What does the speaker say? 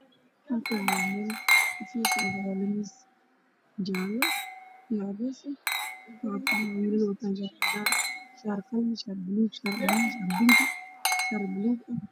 Halkaan waa meel jaale iyo cadees ah